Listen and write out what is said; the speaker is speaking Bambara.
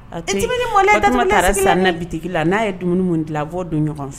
Tɛ mɔn taara san na bitigi la n'a ye dumuni dilan a fɔ don ɲɔgɔn fɛ